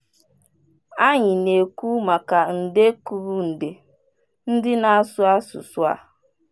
Anyị na-ekwu maka nde kwuru nde ndị na-asụ asụsụ a.